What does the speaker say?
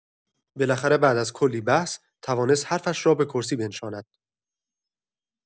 بالاخره بعد از کلی بحث، توانست حرفش را به کرسی بنشاند.